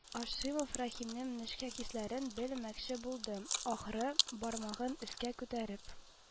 Ьашимов Рәхимнең нечкә хисләрен бел мәкче булды, ахры, бармагын өскә күтәреп: